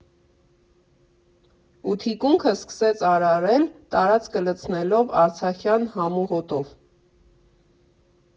Ու թիկունքը սկսեց արարել՝ տարածքը լցնելով արցախյան համուհոտով։